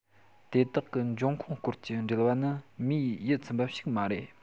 དེ དག གི འབྱུང ཁུངས སྐོར གྱི འགྲེལ བ ནི མིའི ཡིད ཚིམ པ ཞིག མ རེད